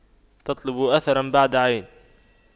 تطلب أثراً بعد عين